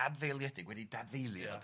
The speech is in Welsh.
adfeiliedig wedi dadfeilio 'de? Ia.